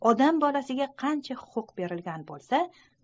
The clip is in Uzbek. odam bolasiga qancha huquq berilgan bolsa